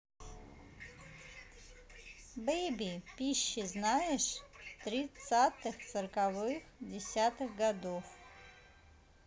baby пищи знаешь тридцатых сороковых десятых годов